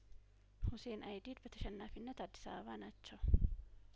ሁሴን አይዲድ በተሸናፊነት አዲስ አበባ ናቸው